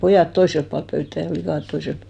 pojat toisella puolen pöytää likat toisella puolen